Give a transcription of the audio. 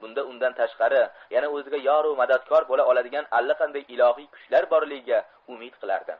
bunda undan tashqari yana o'ziga yoru madadkor bola oladigan allaqanday ilohiy kuchlar borligiga umid qilardi